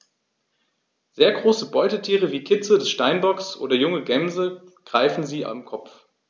Sehr große Beutetiere wie Kitze des Steinbocks oder junge Gämsen greifen sie am Kopf.